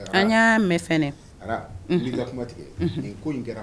An y'a mɛn tigɛ